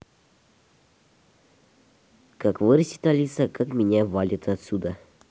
как вырастить алиса как меня валит отсюда